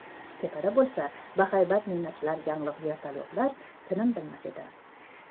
tepada bo'lsa bahaybat ninachilar yanglig' vertolyotlar tinim bilmas edi